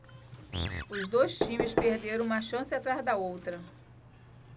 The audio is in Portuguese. os dois times perderam uma chance atrás da outra